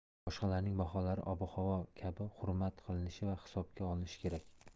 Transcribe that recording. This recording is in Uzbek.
boshqalarning baholari ob havo kabi hurmat qilinishi va hisobga olinishi kerak